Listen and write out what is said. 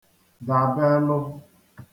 dàbelụ